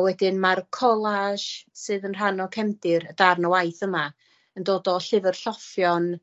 A wedyn ma'r collage sydd yn rhan o cefndir y darn o waith yma yn dod o llyfyr lloffion